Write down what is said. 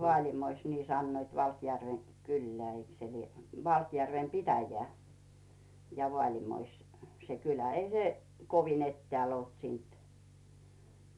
Vaalimoissa niin sanoit Valkjärven kyllä eikö se lie Valkjärven pitäjä ja Vaalimois se kylä ei se kovin etäällä ollut siitä